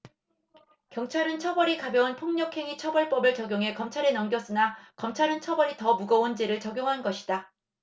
경찰은 처벌이 가벼운 폭력행위처벌법을 적용해 검찰에 넘겼으나 검찰은 처벌이 더 무거운 죄를 적용한 것이다